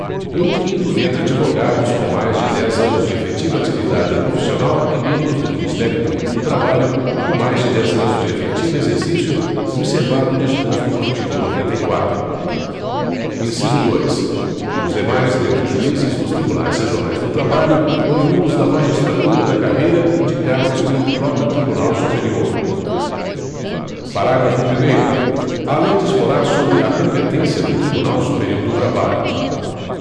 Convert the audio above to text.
um quinto dentre advogados com mais de dez anos de efetiva atividade profissional e membros do ministério público do trabalho com mais de dez anos de efetivo exercício observado o disposto no artigo noventa e quatro inciso dois os demais dentre juízes dos tribunais regionais do trabalho oriundos da magistratura da carreira indicados pelo próprio tribunal superior parágrafo primeiro a lei disporá sobre a competência do tribunal superior do trabalho